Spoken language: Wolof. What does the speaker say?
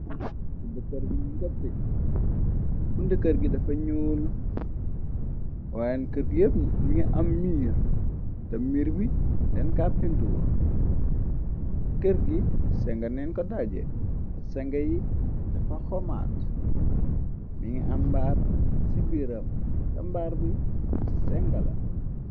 Bunti kerr ngi nun ko teg buntëkër gi dafa ñuul waayeen kër yep mi nga am miir ta mbiir bi den càpintuur kër gi senga neen ko daaje ta senge yi dafa xomaat mi ngi am ab mbaar bi sengala.